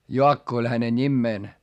Jaakko oli hänen nimensä